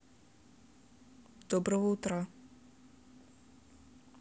доброго утра